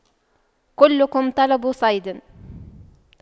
كلكم طلب صيد